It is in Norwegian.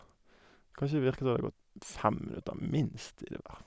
Kanskje det virker som det har gått fem minutter minst, i det verf.